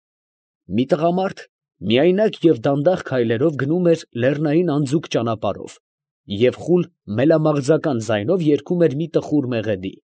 Մի տղամարդ միայնակ և դանդաղ քայլերով գնում էր լեռնային անձուկ ճանապարհով և խուլ մելամաղձական ձայնով երգում էր մի տխուր մեղեդի։